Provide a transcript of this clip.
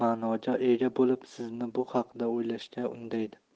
bo'lib sizni bu haqda o'ylashga undaydi